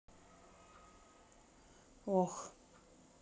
ох